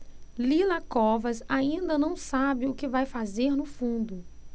lila covas ainda não sabe o que vai fazer no fundo